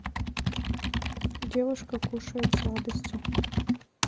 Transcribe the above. девушка кушает сладости